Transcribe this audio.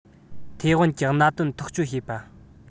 ཐའེ ཝན གྱི གནད དོན ཐག གཅོད བྱེད པ